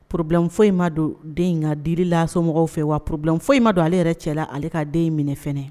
Poro fɔ ma don den in ka di lasesomɔgɔw fɛ wa purbibilen foyi in ma don ale yɛrɛ cɛla la ale ka den in minɛ fana